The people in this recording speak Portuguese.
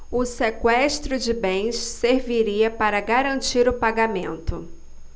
o sequestro de bens serviria para garantir o pagamento